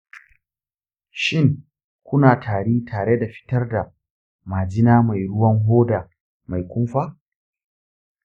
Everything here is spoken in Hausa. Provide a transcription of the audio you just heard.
shin, kuna tari tare da fitar da majina mai ruwan hoda mai kumfa?